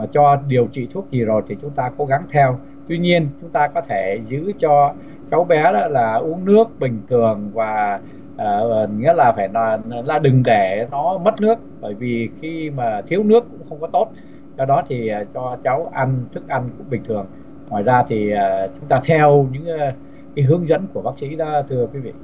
cho điều trị thuốc gì rồi thì chúng ta cố gắng theo tuy nhiên chúng ta có thể giữ cho cháu bé đã là uống nước bình thường và ở nghĩa là phải nói là đừng để nó mất nước bởi vì khi mà thiếu nước cũng không tốt do đó thì cho cháu ăn thức ăn cũng bình thường ngoài ra thì chúng ta theo những hướng dẫn của bác sĩ đó thưa quý vị